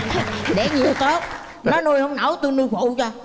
à đẻ nhiều tốt nó nuôi không nổi tôi nuôi phụ cho